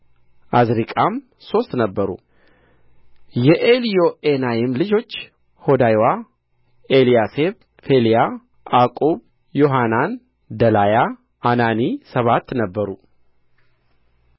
ዓዝሪቃም ሦስት ነበሩ የኤልዮዔናይም ልጆች ሆዳይዋ ኤልያሴብ ፌልያ ዓቁብ ዮሐናን ደላያ ዓናኒ ሰባት ነበሩ